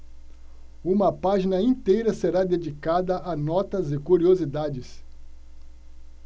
uma página inteira será dedicada a notas e curiosidades